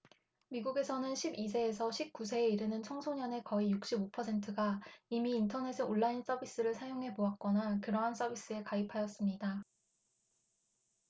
미국에서는 십 이 세에서 십 구 세에 이르는 청소년의 거의 육십 오 퍼센트가 이미 인터넷의 온라인 서비스를 사용해 보았거나 그러한 서비스에 가입하였습니다